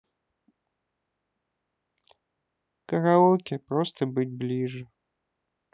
караоке просто быть ближе